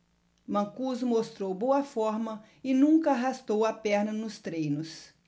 mancuso mostrou boa forma e nunca arrastou a perna nos treinos